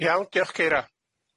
Iawn diolch Ceira.